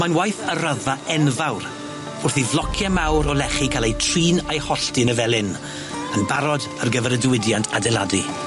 Mae'n waith ar raddfa enfawr, wrth i flocie mawr o lechi ca'l eu trin a'u holltu yn y felin yn barod ar gyfer y diwydiant adeladu.